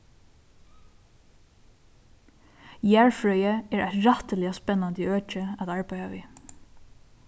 jarðfrøði er eitt rættiliga spennandi øki at arbeiða við